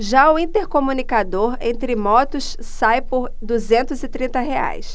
já o intercomunicador entre motos sai por duzentos e trinta reais